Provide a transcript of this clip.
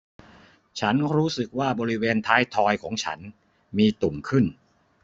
ฉันรู้สึกว่าบริเวณท้ายทอยของฉันมีตุ่มขึ้น